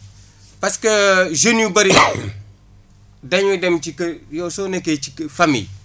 parce que jeunes yu bëri dañuy dem ci kë yow soo nekkee ci kë famille